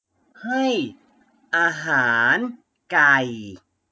ให้อาหารไก่